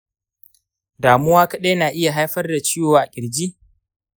damuwa kaɗai na iya haifar da ciwo a kirji?